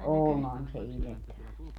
onhan se iljettävähän se on